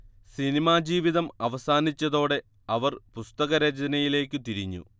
cinema ജീവിതം അവസാനിച്ചതോടെ അവർ പുസ്തക രചനയിലേക്കു തിരിഞ്ഞു